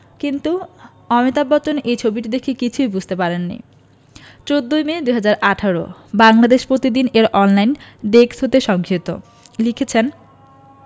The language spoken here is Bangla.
কিন্তু অমিতাভ বচ্চন এই ছবিটি দেখে কিছুই বুঝতে পারেননি ১৪মে ২০১৮ বাংলাদেশ প্রতিদিন এর অনলাইন ডেস্ক হতে সংগৃহীত লিখেছেনঃ